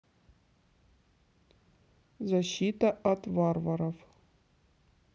защита от варваров